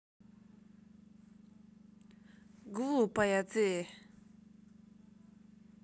глупая ты